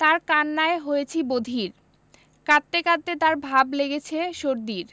তার কান্নায় হয়েছি বধির কাঁদতে কাঁদতে তার ভাব লেগেছে সর্দির